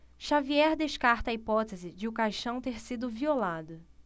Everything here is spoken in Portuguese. xavier descarta a hipótese de o caixão ter sido violado